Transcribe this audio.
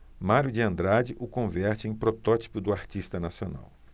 mário de andrade o converte em protótipo do artista nacional